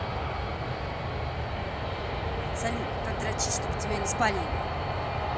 салют как дрочить чтобы тебя не спалили